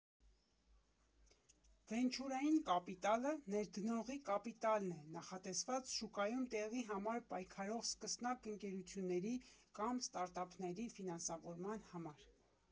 Վենչուրային կապիտալը ներդնողի կապիտալն է՝ նախատեսված շուկայում տեղի համար պայքարող սկսնակ ընկերությունների կամ ստարտափների ֆինանսավորման համար։